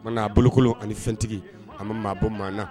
O tumana a bolokon ani fɛntigi an ma maa bɔ maa na!